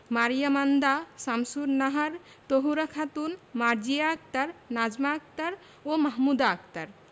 মারিয়া মান্দা শামসুন্নাহার তহুরা খাতুন মার্জিয়া আক্তার নাজমা আক্তার ও মাহমুদা আক্তার